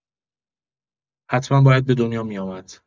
حتما باید به دنیا می‌آمد